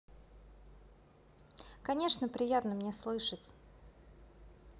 конечно приятно мне слышать